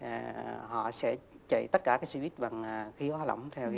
hà họ sẽ chạy tất cả các xe buýt bằng khí hóa lỏng theo